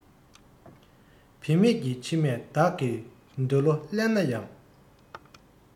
བུད མེད ཀྱི མཆི མས བདག གི འདོད བློ བརླན ན ཡང